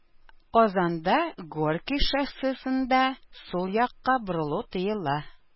Казанда Горький шоссесында сул якка борылу тыела.